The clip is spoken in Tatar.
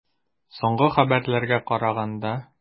Соңгы хәбәрләргә караганда.